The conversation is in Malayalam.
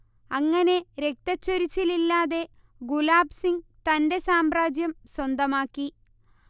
അങ്ങനെ രക്തച്ചൊരിച്ചിലില്ലാതെ ഗുലാബ് സിങ് തന്റെ സാമ്രാജ്യം സ്വന്തമാക്കി